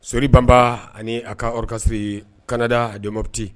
Sori banba ani a ka kasiri kaanada a dɔn mobiti